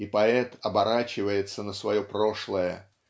и поэт оборачивается на свое прошлое